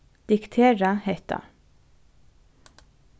diktera hetta